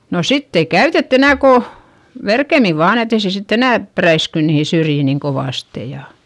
no sitten ei käytetty enää kuin verkemmin vain että ei se sitten enää räisky niihin syrjiin niin kovasti ja